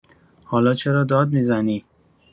حالا چرا داد می‌زنی؟